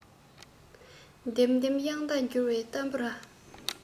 ལྡེམ ལྡེམ དབྱངས རྟ འགྱུར བའི ཏམ བུ ར